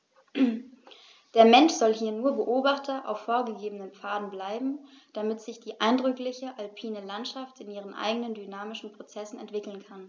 Der Mensch soll hier nur Beobachter auf vorgegebenen Pfaden bleiben, damit sich die eindrückliche alpine Landschaft in ihren eigenen dynamischen Prozessen entwickeln kann.